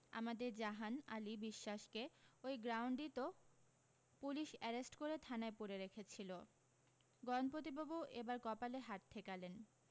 আমাদের জাহান আলি বিশ্বাসকে ওই গ্রাুণ্ডই তো পুলিশ অ্যারেষ্ট করে থানায় পুরে রেখেছিল গণপতিবাবু এবার কপালে হাত ঠেকালেন